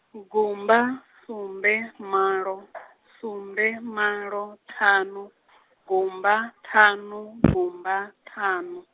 gumba, sumbe, malo , sumbe malo ṱhanu , gumba, ṱhanu, gumba, ṱhanu.